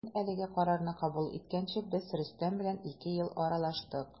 Мин әлеге карарны кабул иткәнче без Рөстәм белән ике ел аралаштык.